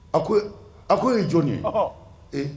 A ko a ko o ye jɔn ye ee